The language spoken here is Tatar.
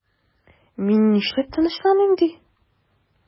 Мин нишләп тынычланыйм ди?